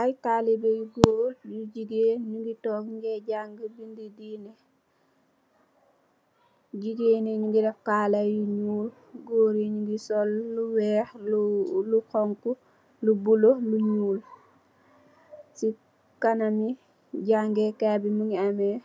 Aye talibeh yu goor yu jegain nuge tonke nuge jange bede deene jegain ye nuge def kala yu nuul goor ye nuge sol lu weex lu xonxo lu bulo lu nuul se kaname jagekayebe muge ameh